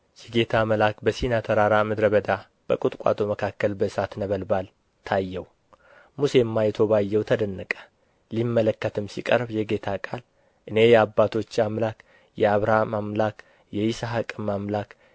የጌታ መልአክ በሲና ተራራ ምድረ በዳ በቍጥቋጦ መካከል በእሳት ነበልባል ታየው ሙሴም አይቶ ባየው ተደነቀ ሊመለከትም ሲቀርብ የጌታ ቃል እኔ የአባቶችህ አምላክ የአብርሃም አምላክ የይስሐቅም አምላክ